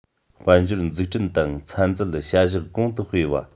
དཔལ འབྱོར འཛུགས སྐྲུན དང ཚན རྩལ བྱ གཞག གོང དུ སྤེལ བ